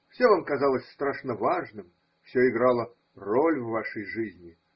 Все вам казалось страшно важным, все играло роль в вашей жизни.